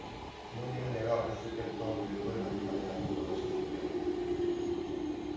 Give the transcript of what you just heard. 부모님은 내가 어렸을 때부터 교육을 많이 받으라고 권하셨습니다